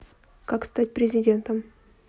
как стать президентом